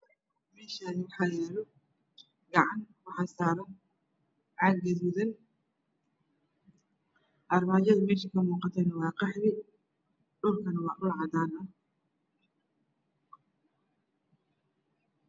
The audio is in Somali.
Meeshan waxaa yaalo gacan waxaa saran caag guduudan armaajada meesha kamuuqatana waa qaxwi dhulkana waa dhulcadaan ah